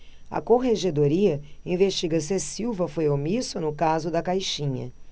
a corregedoria investiga se silva foi omisso no caso da caixinha